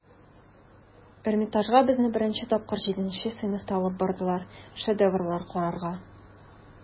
Эрмитажга безне беренче тапкыр җиденче сыйныфта алып бардылар, шедеврлар карарга.